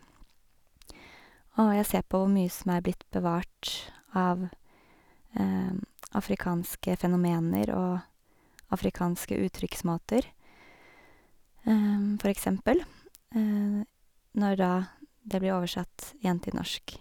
Og jeg ser på hvor mye som er blitt bevart av afrikanske fenomener og afrikanske uttrykksmåter, for eksempel, når da, det blir oversatt igjen til norsk.